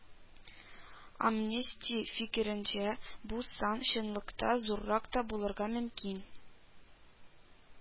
Амнести фикеренчә, бу сан чынлыкта зуррак та булырга мөмкин